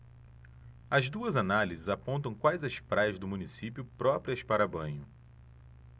as duas análises apontam quais as praias do município próprias para banho